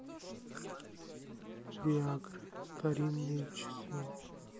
виагра старинные часы